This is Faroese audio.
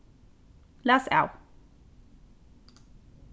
læs av